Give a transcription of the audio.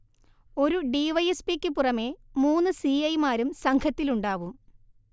ഒരു D Y S പിക്കു പുറമെ മൂന്ന് സി ഐ മാരും സംഘത്തിലുണ്ടാവും